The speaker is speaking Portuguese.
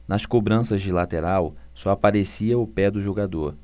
nas cobranças de lateral só aparecia o pé do jogador